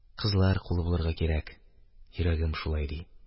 Кызлар кулы булырга кирәк, йөрәгем шулай ди.